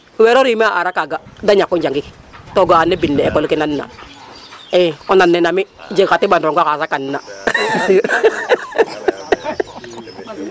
Weero rime a aar a kaga de ñak o njangik to ga'aa ne bind le école ke nanna ii o nan nene mi jek xa teɓandong axa sakanna.